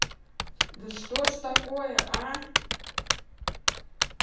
да что ж такое а